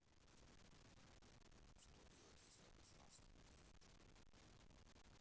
что делать если обосрался привет